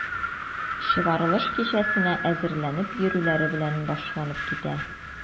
Чыгарылыш кичәсенә әзерләнеп йөрүләре белән башланып китә.